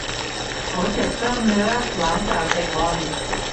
เขาเจ็บกล้ามเนื้อหลังจากเตะบอล